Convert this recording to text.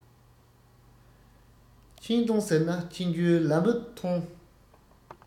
ཕྱིན གཏོང ཟེར ན ཕྱིན རྒྱུའི ལམ བུ ཐོང